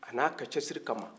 ani a ka cɛsiri kama